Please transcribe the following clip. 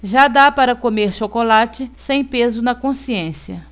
já dá para comer chocolate sem peso na consciência